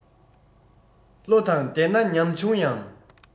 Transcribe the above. བློ དང ལྡན ན ཉམ ཆུང ཡང